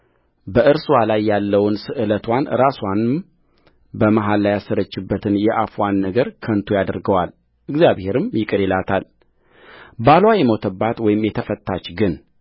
በእርስዋ ላይ ያለውን ስእለትዋን ራስዋንም በመሐላ ያሰረችበትን የአፍዋን ነገር ከንቱ ያደርገዋል እግዚአብሔርም ይቅር ይላታልባልዋ የሞተባት ወይም የተፋታች ግን